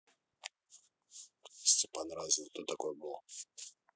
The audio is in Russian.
степан разин кто такой был